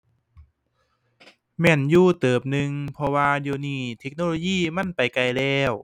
แม่นอยู่เติบหนึ่ง เพราะว่า เดี๋ยวนี้เทคโนโลยีมันไปไกลแล้ว